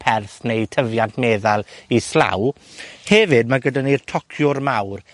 perth neu tyfiant meddal islaw. Hefyd, ma' gyda ni'r tociwr mawr.